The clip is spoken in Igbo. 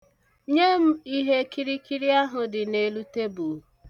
Nye m ihe kịrịkịrị ahụ dị n'elu tebul.